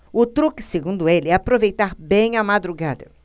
o truque segundo ele é aproveitar bem a madrugada